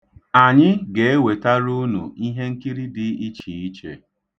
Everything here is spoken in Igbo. Anyị ga-ewetara unu ihenkiri dị ichiiche.